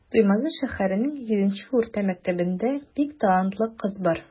Туймазы шәһәренең 7 нче урта мәктәбендә бик талантлы кыз бар.